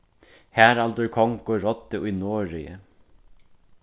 haraldur kongur ráddi í noregi